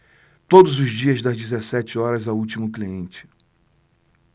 todos os dias das dezessete horas ao último cliente